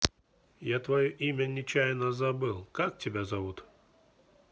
я твое имя нечаянно забыл как тебя зовут